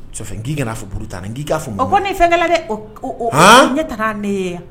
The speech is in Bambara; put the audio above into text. Sofɛ k'i kana a fɔ Burutanɛ n k'i ka fɔ, o kɔni ye fɛnkɛ dɛ, hann, o ɲɛ tana ye ne ye yan